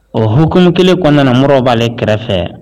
O huk kelen kɔnɔna mori'len kɛrɛfɛ